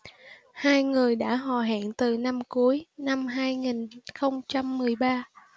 hai người đã hò hẹn từ năm cuối năm hai nghìn không trăm mười ba